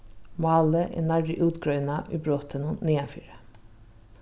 málið er nærri útgreinað í brotinum niðanfyri